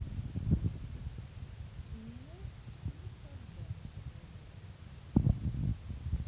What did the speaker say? у меня никогда не подается